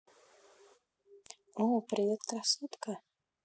о привет красотка